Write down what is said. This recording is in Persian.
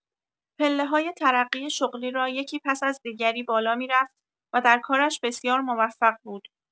پله‌های ترقی شغلی را یکی پس از دیگری بالا می‌رفت و در کارش بسیار موفق بود.